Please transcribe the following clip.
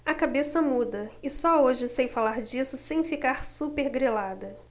a cabeça muda e só hoje sei falar disso sem ficar supergrilada